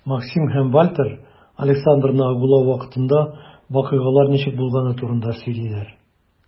Максим һәм Вальтер Александрны агулау вакытында вакыйгалар ничек булганы турында сөйлиләр.